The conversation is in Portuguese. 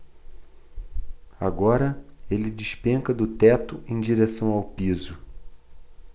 agora ele despenca do teto em direção ao piso